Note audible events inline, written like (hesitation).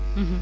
(hesitation) (hesitation)